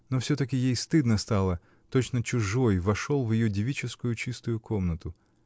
но все-таки ей стыдно стало, точно чужой вошел в ее девическую, чистую комнату.